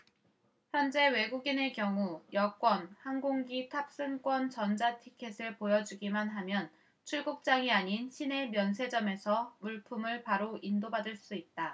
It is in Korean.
현재 외국인의 경우 여권 항공기 탑승권 전자티켓을 보여주기만 하면 출국장이 아닌 시내면세점에서 물품을 바로 인도받을 수 있다